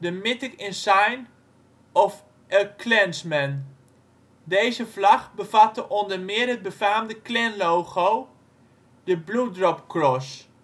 Mystic Insignia Of A Klansman. Deze vlag bevatte onder meer het befaamde Klanlogo, het Blood Drop Cross